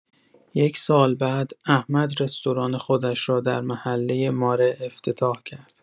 یک سال بعد، احمد رستوران خودش را در محله ماره افتتاح کرد.